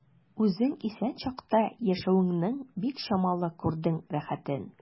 Үзең исән чакта яшәвеңнең бик чамалы күрдең рәхәтен.